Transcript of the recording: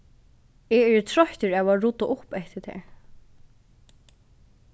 eg eri troyttur av at rudda upp eftir tær